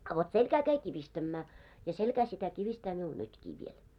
a vot "selkää käi 'kivistämmää, ja 'selkää sitä 'kivistää miul 'nytkii viel.